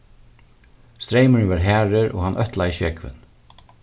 streymurin var harður og hann øtlaði sjógvin